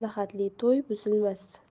maslahatli to'y buzilmas